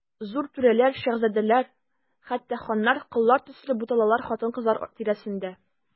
Зур түрәләр, шаһзадәләр, хәтта ханнар, коллар төсле буталалар хатын-кызлар тирәсендә.